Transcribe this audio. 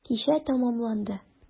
Кичә тәмамланды.